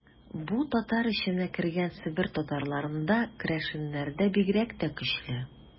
Бу татар эченә кергән Себер татарларында, керәшеннәрдә бигрәк тә көчле.